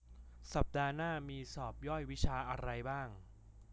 สัปดาห์หน้ามีสอบย่อยวิชาอะไรบ้าง